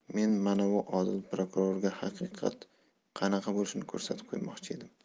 men manovi odil prokurorga haqiqat qanaqa bo'lishini ko'rsatib qo'ymoqchi edim